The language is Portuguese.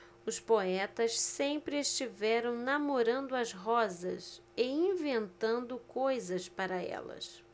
os poetas sempre estiveram namorando as rosas e inventando coisas para elas